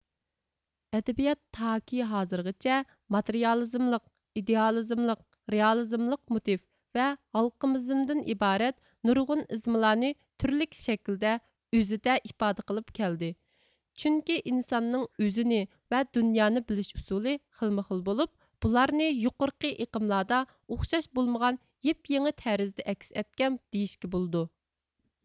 ئەدەبىيات تاكى ھازىرغىچە ماتېرىيالىزملىق ئىدېئالىزملىق رېئالىزملىق موتىف ۋە ھالقىمىزمدىن ئىبارەت نۇرغۇن ئىزملارنى تۈرلۈك شەكىلدە ئۆزىدە ئىپادە قىلىپ كەلدى چۈنكى ئىنساننىڭ ئۆزىنى ۋە دۇنيانى بىلىش ئۇسۇلى خىلمۇخىل بولۇپ بۇلارنى يۇقىرىقى ئېقىملاردا ئوخشاش بولمىغان يېپيېڭى تەرىزدە ئەكس ئەتكەن دېيىشكە بولىدۇ